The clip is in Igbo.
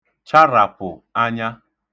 charàpụ̀ anya